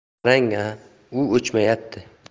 qarang a u o'chmayapti